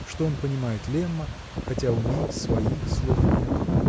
что он понимает Лемма, хотя у ней "своих" слов нет.